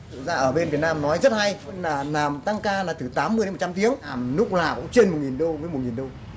dạ ở bên việt nam nói rất hay là làm tăng ca là tứ tám mươi một trăm tiếng lúc nào cũng trên một nghìn đô với một nghìn đô